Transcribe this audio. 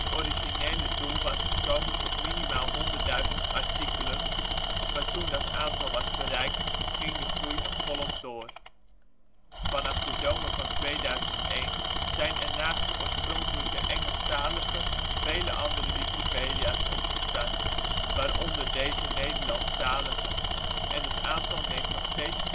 originele doel was te komen tot minimaal 100.000 artikelen, maar toen dat aantal was bereikt, ging de groei nog volop door. Vanaf de zomer van 2001 zijn er naast de originele Engelstalige vele andere Wikipedia 's opgestart, waaronder deze Nederlandstalige, en het aantal neemt nog steeds